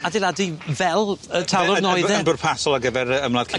Adeladu fel y talwrn oedd e? Yn b- yn bwrpasol ar gyfer yy ymladd...